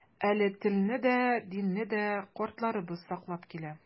Әле телне дә, динне дә картларыбыз саклап килә.